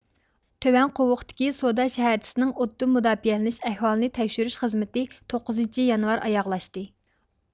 تۆۋەن قوۋۇقتىكى سودا شەھەرچىسىنىڭ ئوتتىن مۇداپىئەلىنىش ئەھۋالىنى تەكشۈرۈش خىزمىتى توققۇزىنچى يانۋار ئاياغلاشتى